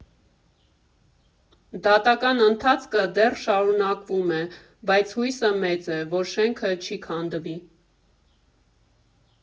Դատական ընթացքը դեռ շարունակվում է, բայց հույսը մեծ է, որ շենքը չի քանդվի։